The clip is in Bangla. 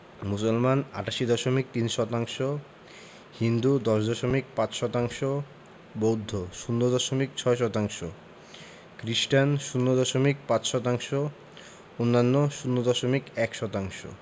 মুসলমান ৮৮দশমিক ৩ শতাংশ হিন্দু ১০দশমিক ৫ শতাংশ বৌদ্ধ ০ দশমিক ৬ শতাংশ খ্রিস্টান ০দশমিক ৫ শতাংশ অন্যান্য ০দশমিক ১ শতাংশ